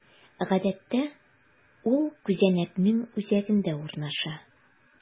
Гадәттә, ул күзәнәкнең үзәгендә урнаша.